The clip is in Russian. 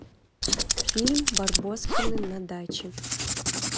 фильм барбоскины на даче